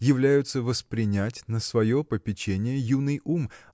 являются воспринять на свое попечение юный ум